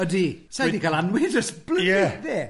Ydi, sai di cael anwyd ers blynydde!